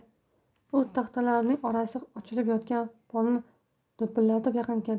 u taxtalarining orasi ochilib yotgan polni do'pillatib yaqin keldi